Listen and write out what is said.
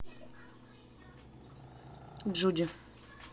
джуди